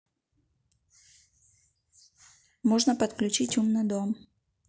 можно подключить умный дом